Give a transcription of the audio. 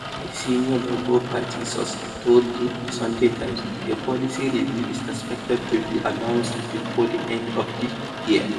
A senior Labour Party source told The Sunday Times: 'A policy review is expected to be announced before the end of the year.